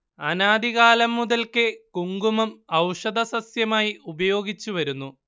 അനാദികാലം മുതൽക്കേ കുങ്കുമം ഔഷധസസ്യമായി ഉപയോഗിച്ചുവരുന്നു